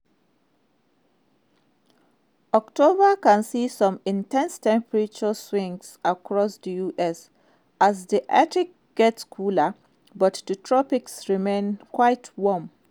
October can see some intense temperature swings across the U.S. as the Arctic gets cooler, but the tropics remain quite warm.